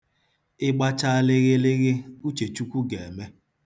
Ị gbachaa lịghịlịghị, uche Chukwu ga-eme.